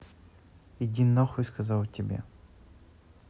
иди нахуй сказала тебе